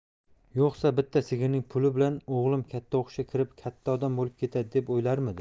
yo'qsa bitta sigirning puli bilan o'g'lim katta o'qishga kirib katta odam bo'lib ketadi deb o'ylarmidi